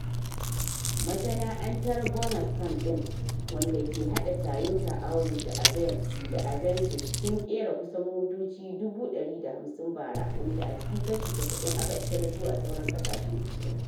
Masana’antar Burnaston din - wanda ke hada Toyota Auris da Avensis - sun kera kusan motoci 150,000 bara wanda a ciki kashi 90 aka fitar zuwa sauran kasashen Turai.